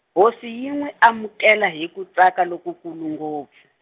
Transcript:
hosi yi nwi amukela hi ku tsaka lokukulu ngopf-.